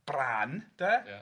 Brân de. Ia.